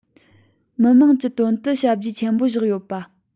མི དམངས ཀྱི དོན དུ ལག རྗེས ཆེན པོ བཞག ཡོད པ